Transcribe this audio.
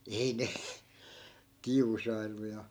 ei ne kiusaillut ja